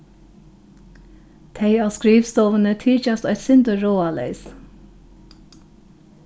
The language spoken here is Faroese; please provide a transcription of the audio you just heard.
tey á skrivstovuni tykjast eitt sindur ráðaleys